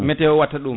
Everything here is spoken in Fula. météo watta ɗum